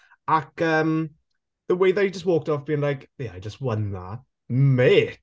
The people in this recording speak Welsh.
Ac yym the way that he just walked off being like "Yeah I just won that." Ma-!